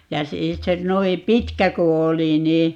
ja - se noin pitkä kun oli niin